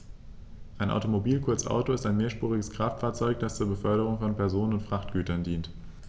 Ein Automobil, kurz Auto, ist ein mehrspuriges Kraftfahrzeug, das zur Beförderung von Personen und Frachtgütern dient.